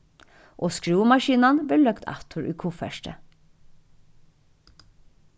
og skrúvumaskinan verður løgd aftur í kuffertið